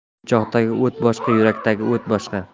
o'choqdagi o't boshqa yurakdagi o't boshqa